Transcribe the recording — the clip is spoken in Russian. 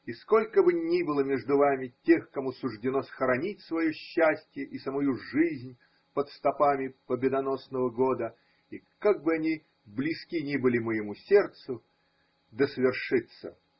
И сколько бы ни было между вами тех, кому суждено схоронить свое счастье и самую жизнь под стопами победоносного года, и как бы они близки ни были моему сердцу – да свершится.